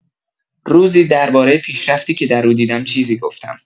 روزی درباره پیشرفتی که در او دیدم چیزی گفتم.